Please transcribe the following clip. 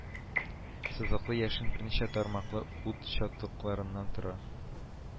Сызыклы яшен берничә тармаклы ут чаткыларыннан тора